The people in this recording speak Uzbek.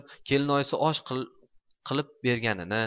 kelinoyisi osh qilib kelganini